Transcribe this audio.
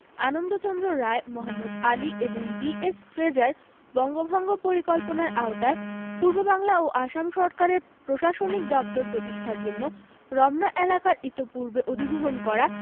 আনন্দচন্দ্র রায় মোহাম্মদ আলী এবং D S. Fraser বঙ্গভঙ্গ পরিকল্পনার আওতায় পূর্ববাংলা ও আসাম সরকারের প্রশাসনিক দপ্তর প্রতিষ্ঠার জন্য রমনা এলাকাযর ইতিপূর্বে অধিগ্রহণ করা